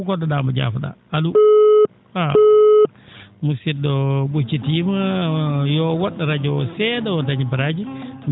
go??o?aamo jaafo?aa allo ah musid?o oo ?occitiima yo o wo??o radio o see?a o daña baraaji